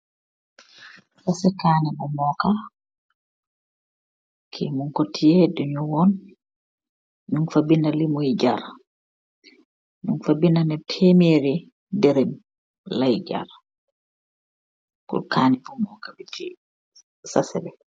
Saseh kaneh bu moka, ki munko tiyeh dinyu won, nyunfa binda li mui jarr. Nyunfa binda neh temerri derem lai jarr. Pur kaneh bu moka bi, ki saseh bi.